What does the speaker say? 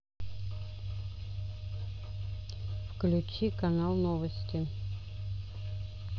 включи канал новости